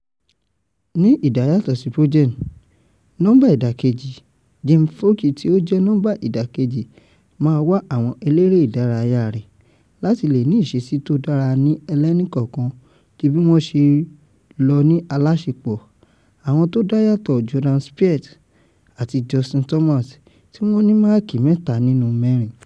Ní ìdàyàtọ̀ sí Bjorn, opposite number Jim Furyk tí ó jẹ́ nọ́ńbà ìdàkejì máa ma wá àwọn eléré ìdárayá rẹ̀ láti le ní ìṣesí tó dára ní ẹlẹ́nìkọ̀ọ̀kan ju bí wọ́n ṣe ṣe lọ ní aláṣepọ̀, àwọn tó dáyàtọ̀ Jordan Spieth àti Justin Thomas, tí wọ́n ní máàkì mẹ́ta nínú mẹ́rin